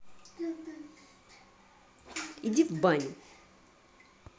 иди в баню